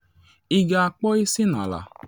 Ị ga-akpọ isi n’ala.